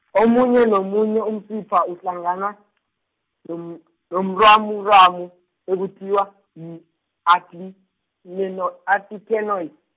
omunye nomunye umsipha uhlangana, nom- nomrwamurwamu, ekuthiwa, yi- atli- -yino artytenoid.